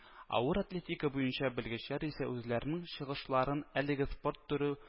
Авыр атлетика буенча белгечләр исә үзләренең чыгышларын әлеге спорт төрү